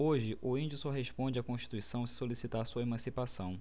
hoje o índio só responde à constituição se solicitar sua emancipação